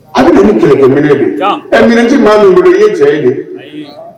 A bɛ kɛlɛko mini bon ɛ miniji maa min bolo i ye cɛ don